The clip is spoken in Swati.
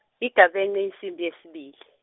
igabence insimbi yesibili.